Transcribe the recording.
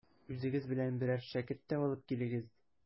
Үзегез белән берәр шәкерт тә алып килегез.